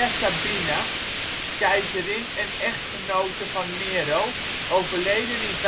Sabina, keizerin en echtgenote van Nero (overleden 65